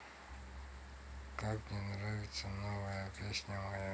как мне нравится новая песня моя